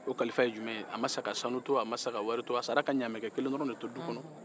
o kalifa ye jumɛn ye a ma sa ka sanu to a ma sa wari to asa ka ɲamɛkɛkelen dɔrɔn de to du kɔnɔ